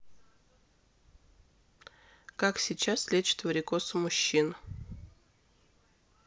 как сейчас лечат варикоз у мужчин